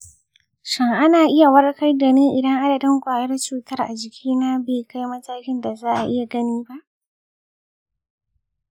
shin ana iya warkar da ni idan adadin ƙwayar cutar a jikina bai kai matakin da za a iya gani ba?